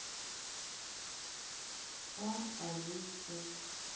а алиса